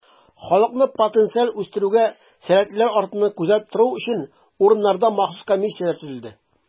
Халыкны потенциаль үстерүгә сәләтлеләр артыннан күзәтеп тору өчен, урыннарда махсус комиссияләр төзелде.